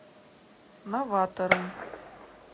новаторы